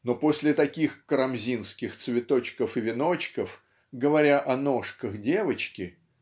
но после таких карамзинских цветочков и веночков говоря о ножках девочки